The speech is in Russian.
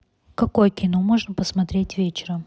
какое кино можно посмотреть вечером